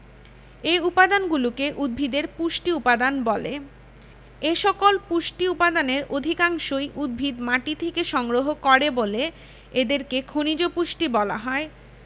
এ উপাদানগুলোকে উদ্ভিদের পুষ্টি উপাদান বলে এসকল পুষ্টি উপাদানের অধিকাংশই উদ্ভিদ মাটি থেকে সংগ্রহ করে বলে এদেরকে খনিজ পুষ্টি বলা হয়